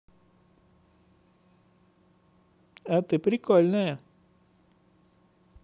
а ты прикольная